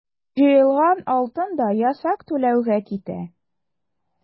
Җыелган алтын да ясак түләүгә китә.